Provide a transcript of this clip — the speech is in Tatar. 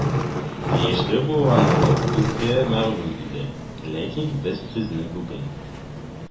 Тиешле булганыгыз безгә мәгълүм иде, ләкин без сезне бүген